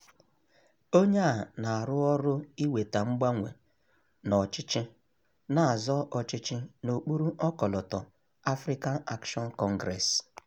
Onye a na-arụ ọrụ iweta mgbanwe n'ọchịchị na-azọ ọchịchị n'okpuru ọkọlọtọ African Action Congress.